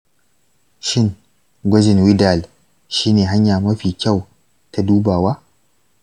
shin gwajin widal shi ne hanya mafi kyau ta dubawa?